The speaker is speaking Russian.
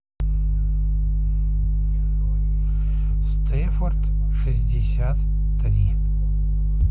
staffорд шестьдесят три